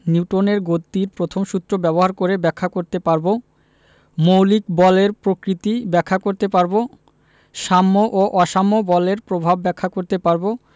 নিউটনের গতির প্রথম সূত্র ব্যবহার করে ব্যাখ্যা করতে পারব মৌলিক বলের প্রকৃতি ব্যাখ্যা করতে পারব সাম্য ও অসাম্য বলের প্রভাব ব্যাখ্যা করতে পারব